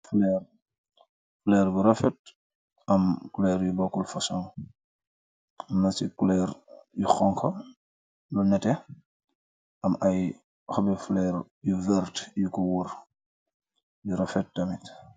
Fleur, fleur bu rafet am couleur yu bokul fason, amna cii couleur yu honha, lu nehteh, am aiiy hohbi fleur yu vert yukor wohrre yu rafet tamit.